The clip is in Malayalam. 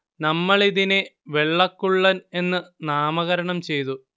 നമ്മളതിനെ വെള്ളക്കുള്ളൻ എന്ന് നാമകരണം ചെയ്തു